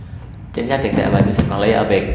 chính sách tiền tệ và chính sách quản lý ở việt